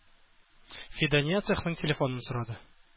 Фидания цехның телефонын сорады.